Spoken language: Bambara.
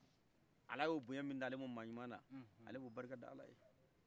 ala y'o boyan min d'alema maɲuma yala ale bo barkada aleye